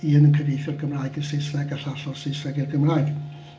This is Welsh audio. Un yn cyfieithu o'r Gymraeg i'r Saesneg a'r llall o'r Saesneg i'r Gymraeg.